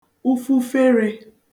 ufuferē